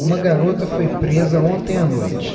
uma garota foi presa ontem à noite